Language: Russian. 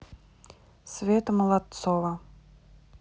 света молодцова